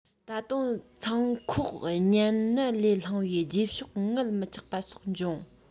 ད དུང མཚང ཁོག གཉན ནད ལས བསླངས པའི རྗེས ཕྱོགས མངལ མི ཆགས པ སོགས འབྱུང